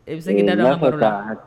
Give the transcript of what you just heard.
I segin nana na kɔrɔ